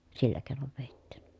sillä keinoin vedettiin